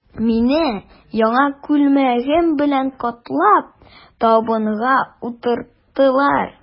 Мине, яңа күлмәгем белән котлап, табынга утырттылар.